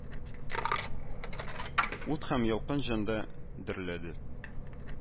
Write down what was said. Ут һәм ялкын җанда дөрләде